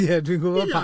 Ie, dwi'n gwybod pam.